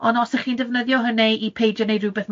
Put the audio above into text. Ond os y'ch chi'n defnyddio hynny i peidio 'neud rhywbeth